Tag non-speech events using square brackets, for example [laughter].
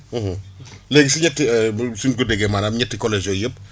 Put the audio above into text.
[hesitation] [hesitation] léegi si ñett [hesitation] suñ ko déggee maanaam ñetti collèges yëpp